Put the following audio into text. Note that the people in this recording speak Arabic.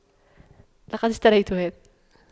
لقد اشتريت هذا